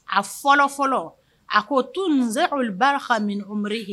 A fɔlɔ fɔlɔ a ko to ninnumɔriri ye